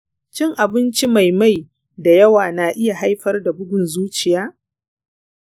cin abinci mai mai da yawa na iya haifar da bugun zuciya?